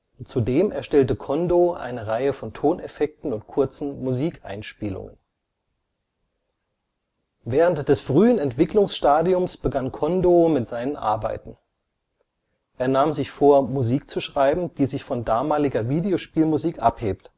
Zudem erstellte Kondō eine Reihe von Toneffekten und kurzen Musikeinspielungen. Während des frühen Entwicklungsstadiums begann Kondō mit seinen Arbeiten. Er nahm sich vor, Musik zu schreiben, die sich von damaliger Videospielmusik abhebt